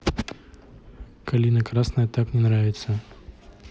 калина красная так не нравится